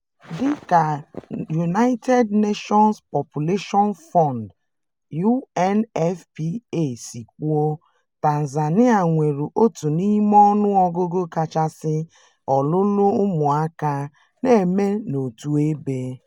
Dị ka United Nations Population Fund (UNFPA) si kwuo, Tanzania nwere otu n'ime ọnụọgụgụ kachasị nke ọlụlụ ụmụaka na-eme n'otu ebe n'ụwa.